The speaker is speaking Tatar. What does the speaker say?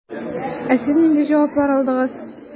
Ә сез нинди җавап алдыгыз?